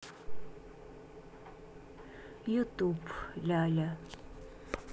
ютуб ляля